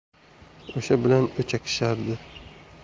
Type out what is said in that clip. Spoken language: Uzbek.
o'sha bilan o'chakishardi